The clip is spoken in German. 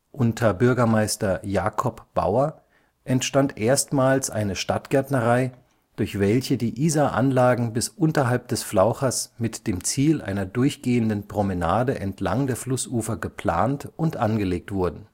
Unter Bürgermeister Jakob Bauer entstand erstmals eine Stadtgärtnerei, durch welche die Isaranlagen bis unterhalb des Flauchers mit dem Ziel einer durchgehenden Promenade entlang der Flussufer geplant und angelegt wurden